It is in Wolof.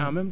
carrément